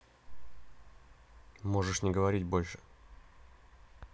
можешь не говорить больше